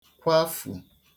kwafù